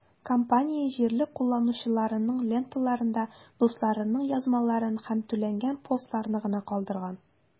Компания җирле кулланучыларның ленталарында дусларының язмаларын һәм түләнгән постларны гына калдырган.